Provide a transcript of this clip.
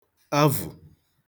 avụ̀